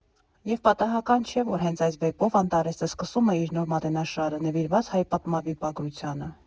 Եվ պատահական չէ, որ հենց այս վեպով «Անտարեսը» սկսում է իր նոր մատենաշարը՝ նվիրված հայ պատմավիպագրությանը։